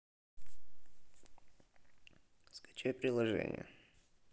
скачай приложение